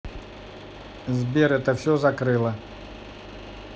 сбер это все закрыла